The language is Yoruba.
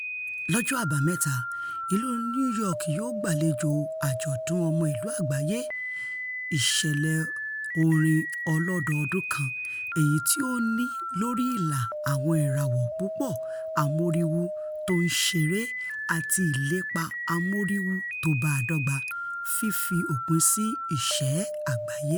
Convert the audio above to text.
Lọ́jọ́ Àbámẹ́ta ìlú New York yóò gbàlejò Àjọ̀dun Ọmọ Ìlú Àgbáyé, ìṣẹ̀lẹ̀ orin ọlọ́ọdọdún kan èyití ó ní lórí-ìlà àwọn ìràwọ̀ púpọ̀ amóríwú tó ńṣeré àti ìlépa amóríwú tóbáa dọ́gba; fífi òpin sí ìṣẹ́ àgbáyé.